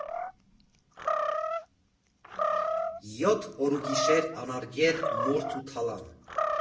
Յոթ օրուգիշեր անարգել՝ մորթ ու թալան։